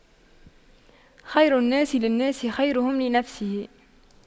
خير الناس للناس خيرهم لنفسه